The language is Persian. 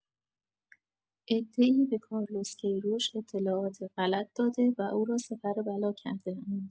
عده‌ای به کارلوس کی‌روش اطلاعات غلط داده و او را سپر بلا کرده‌اند.